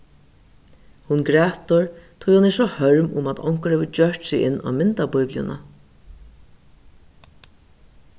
hon grætur tí hon er so hørm um at onkur hevur gjørt seg inn á myndabíbliuna